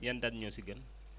yen dates ñoo si gën